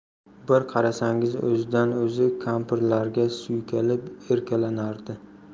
bir qarasangiz o'zidan o'zi kampirlarga suykalib erkalanardi